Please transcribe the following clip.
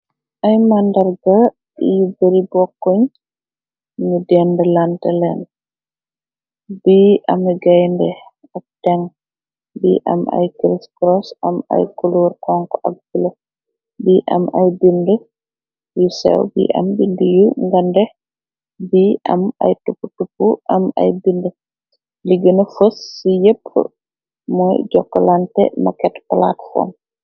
ay màndarga i bari bokkuñ ñu dend lante leen bi ami gaynde ak teng bi am y crist cross am ay kulor conk ak ble bi am ay bind yu sew bi am bind yu ngande bi am ay tuppu tup am ay bind liggëena fos ci yépp mooy jokkolante makket platfon